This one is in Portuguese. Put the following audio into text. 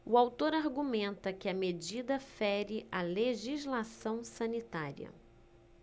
o autor argumenta que a medida fere a legislação sanitária